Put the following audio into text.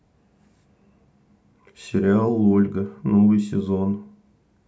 сериал ольга новый сезон